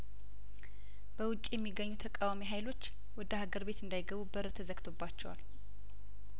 በውጪ የሚገኙ ተቃዋሚ ሀይሎች ወደ ሀገር ቤት እንዳይገቡ በር ተዘግቶባቸዋል